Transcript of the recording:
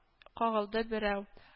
Кагылды берәү